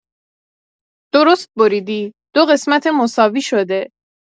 درست بریدی دو قسمت مساوی شده